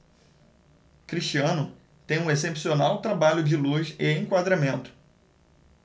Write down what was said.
cristiano tem um excepcional trabalho de luz e enquadramento